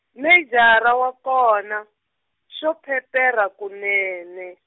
Mejara wa kona, xo peperha kunene.